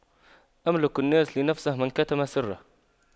أملك الناس لنفسه من كتم سره